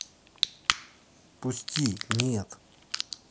пусти нет